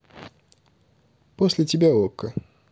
после тебя okko